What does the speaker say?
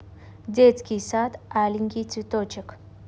детский сад аленький цветочек